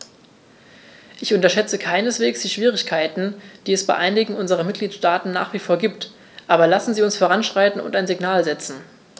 Ich unterschätze keineswegs die Schwierigkeiten, die es bei einigen unserer Mitgliedstaaten nach wie vor gibt, aber lassen Sie uns voranschreiten und ein Signal setzen.